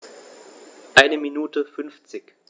Eine Minute 50